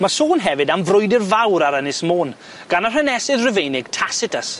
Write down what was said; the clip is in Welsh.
Ma' sôn hefyd am frwydr fawr ar Ynys Môn gan yr Hanesydd Rufeinig Tacitus.